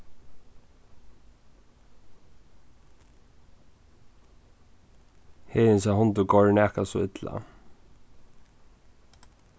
heðinsa hundur goyr nakað so illa